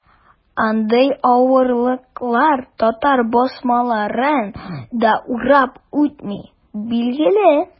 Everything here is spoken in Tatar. Андый авырлыклар татар басмаларын да урап үтми, билгеле.